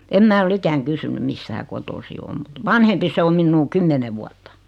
en minä ole ikänä kysynyt mistä hän kotoisin on mutta vanhempi se on minua kymmenen vuotta